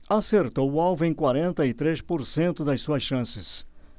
acertou o alvo em quarenta e três por cento das suas chances